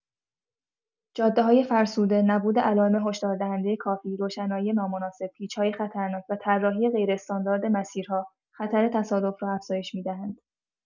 جاده‌های فرسوده، نبود علائم هشداردهنده کافی، روشنایی نامناسب، پیچ‌های خطرناک و طراحی غیراستاندارد مسیرها، خطر تصادف را افزایش می‌دهند.